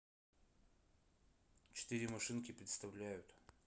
четыре машинки представляют